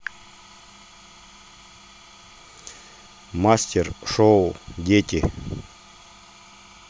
мастер шоу дети